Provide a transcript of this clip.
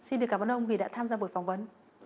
xin được cảm ơn ông vì đã tham gia buổi phỏng vấn